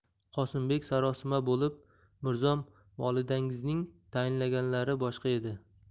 qosimbek sarosima bo'lib mirzom volidangizning tayinlaganlari boshqa edi